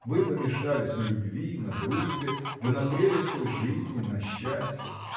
Вы помешались на любви, на дружбе, да на прелестях жизни, на счастье